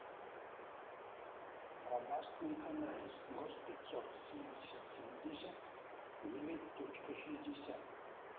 робастный анализ гост пятьсот семь семьдесят девять точка шестьдесят